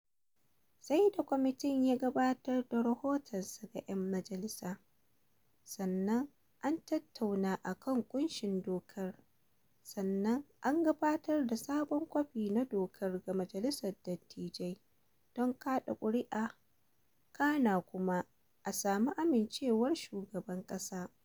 Sai kwamitin ya gabatar da rahotonsa ga 'yan majalisa, sannan an tattuna a kan ƙunshin dokar, sannan an gabatar da sabon kwafi na dokar ga Majalisar Dattijai don kaɗa ƙuri'a, kana kuma a sami amincewar shugaban ƙasa.